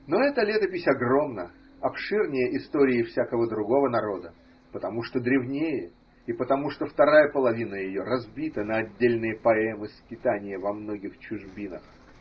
Но эта летопись огромна, обширнее истории всякого другого народа, потому что древнее и потому что вторая половина ее разбита на отдельные поэмы скитания во многих чужбинах.